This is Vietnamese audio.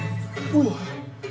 ú uồi